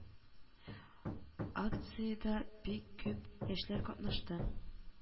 Акциядә бик күп яшьләр катнашты